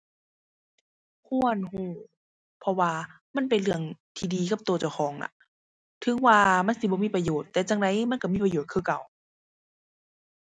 ควรรู้ เพราะว่ามันเป็นเรื่องที่ดีกับรู้เจ้าของอะ ถึงว่ามันสิบ่มีประโยชน์ แต่จั่งใดมันรู้มีประโยชน์คือเก่า